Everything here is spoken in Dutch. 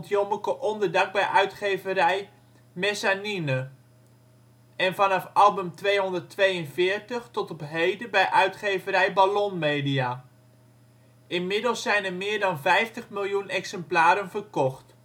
Jommeke onderdak bij uitgeverij Mezzanine. En vanaf album 242 tot op heden bij uitgeverij Ballon-Media. Inmiddels zijn er meer dan 50 miljoen exemplaren verkocht